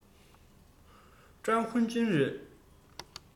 ཀྲང ཝུན ཅུན རེད